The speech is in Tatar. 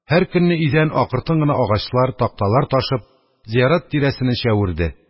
Һәр көнне өйдән акыртын гына агачлар, такталар ташып, зиярат тирәсене чәверде.